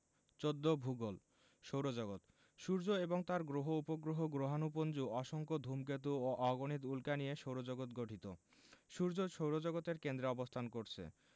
১৪ ভূগোল সৌরজগৎ সূর্য এবং তার গ্রহ উপগ্রহ গ্রহাণুপুঞ্জ অসংখ্য ধুমকেতু ও অগণিত উল্কা নিয়ে সৌরজগৎ গঠিত সূর্য সৌরজগতের কেন্দ্রে অবস্থান করছে